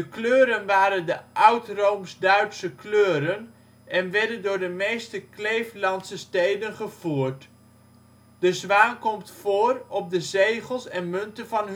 kleuren waren de oude Rooms-Duitse kleuren en werden door de meeste Kleeflandse steden gevoerd. De zwaan komt voor op de zegels en munten van